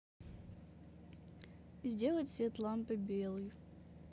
сделай цвет лампы белый